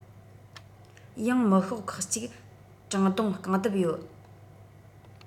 ཡང མི ཤོག ཁག ཅིག བྲང རྡུང རྐང རྡབ ཡོད